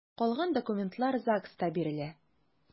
Калган документлар ЗАГСта бирелә.